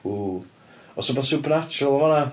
W! Oes 'na rywbeth supernatural yn fan'na?